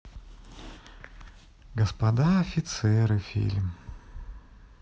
господа офицеры фильм